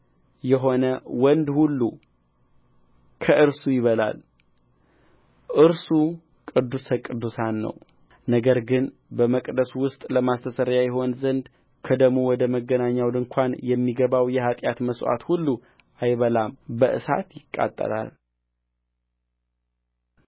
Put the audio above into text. የሆነ ወንድ ሁሉ ከእርሱ ይበላል እርሱ ቅዱስ ቅዱሳን ነውነገር ግን በመቅደሱ ውስጥ ለማስተስረያ ይሆን ዘንድ ከደሙ ወደ መገናኛው ድንኳን የሚገባው የኃጢአት መሥዋዕት ሁሉ አይበላም በእሳት ይቃጠላል